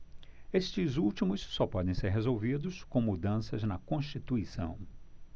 estes últimos só podem ser resolvidos com mudanças na constituição